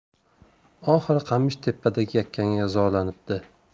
oxiri qamish tepadagi yakanga zorlanibdi